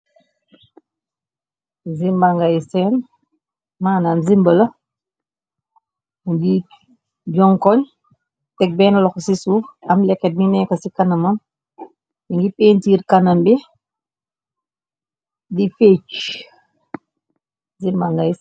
Zimba gai sain manam zimbala ndii jonkoñ teg benn lox ci suuf am lekat mi nekk ci kanama yi ngi péntiir kanam bi di feczimbanga.